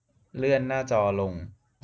เลื่อนหน้าจอลง